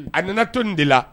A nana to de la